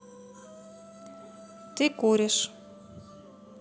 ты куришь